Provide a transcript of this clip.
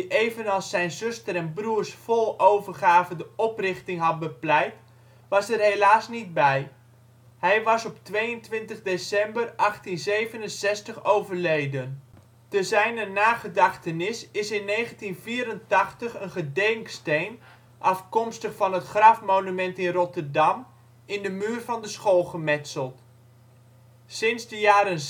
evenals zijn zuster en broers vol overgave de oprichting had bepleit, was er helaas niet bij. Hij was op 22 december 1867 overleden. Te zijner nagedachtenis is in 1984 een gedenksteen, afkomstig van het grafmonument in Rotterdam, in de muur van de school gemetseld. Sinds de jaren